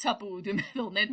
tabŵ dwi'n meddwl neu'r...